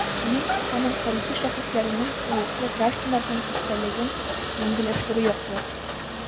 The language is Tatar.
Мин Уфаның тарихи шәхесләренең, лаеклы гражданнарның истәлеген мәңгеләштерү яклы.